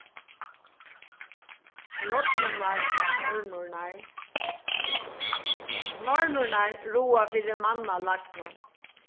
ella nornurnar ja nornurnar ráða fyri mannalagnu